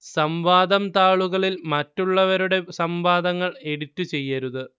സംവാദം താളുകളിൽ മറ്റുള്ളവരുടെ സംവാദങ്ങൾ എഡിറ്റ് ചെയ്യരുത്